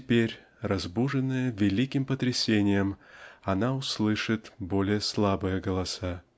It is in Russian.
теперь разбуженная великим потрясением она услышит более слабые голоса.